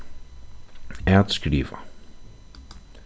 at skriva